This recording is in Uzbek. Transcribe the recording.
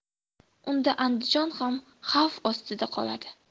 unda andijon ham xavf ostida qoladi